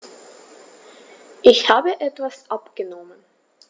Ich habe etwas abgenommen.